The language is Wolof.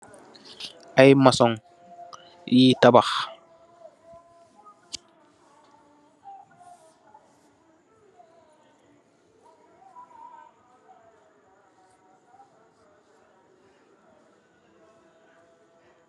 Ay mason yui tabax.